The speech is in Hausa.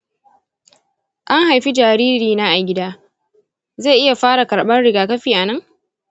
an haifi jaririna a gida; zai iya fara karban rigakafi anan?